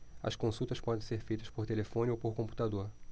as consultas podem ser feitas por telefone ou por computador